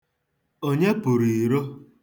Onye pụrụ iro?